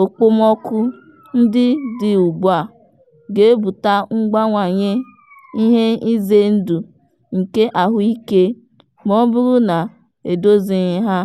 okpomọkụ ndị dị ugbu a ga-ebuta mbawanye ihe ize ndụ nke ahụike, ma ọ bụrụ na edozighị ha.